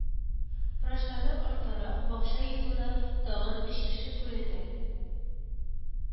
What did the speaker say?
Врачлардан арттарак бакча юлында тагын өч кеше күренә